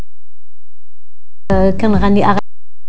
كم غني